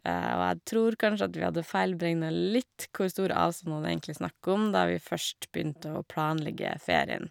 Og jeg tror kanskje at vi hadde feilberegna litt hvor store avstander det egentlig er snakk om, da vi først begynte å planlegge ferien.